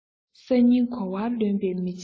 གསར རྙིང གོ བ ལོན པའི མི ཆེན ཡིན